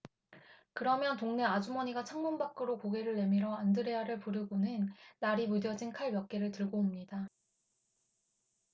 그러면 동네 아주머니가 창문 밖으로 고개를 내밀어 안드레아를 부르고는 날이 무뎌진 칼 몇 개를 들고 옵니다